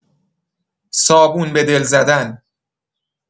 صابون به دل زدن